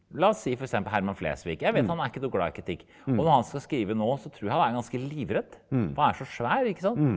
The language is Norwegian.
la oss si f.eks. Herman Flesvik jeg vet han er ikke noe glad i kritikk og når han skal skrive nå så trur jeg han er ganske livredd for han er så svær ikke sant.